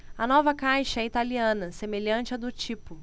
a nova caixa é italiana semelhante à do tipo